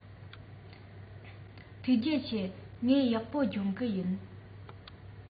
ཐུགས རྗེ ཆེ ངས ཡག པོ སྦྱོང གི ཡིན